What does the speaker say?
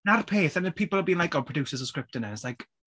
'Na'r peth. And the people have been like "Oh, producers are scripting it."